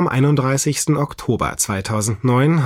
31. Oktober 2009